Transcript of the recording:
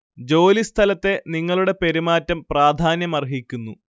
ജോലി സ്ഥലത്തെ നിങ്ങളുടെ പെരുമാറ്റം പ്രാധാന്യമർഹിക്കുന്നു